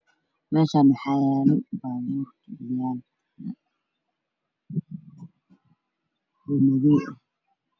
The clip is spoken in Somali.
meeshan waxa yaalo baabuur maduw ah